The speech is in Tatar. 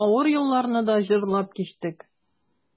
Авыр елларны да җырлап кичтек.